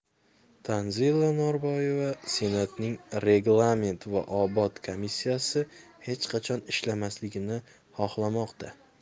tanzila norboyeva senatning reglament va odob komissiyasi hech qachon ishlamasligini xohlamoqda